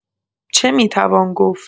چه می‌توان گفت؟